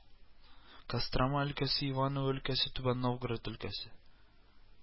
Кострома өлкәсе, Иваново өлкәсе, Түбән Новгород өлкәсе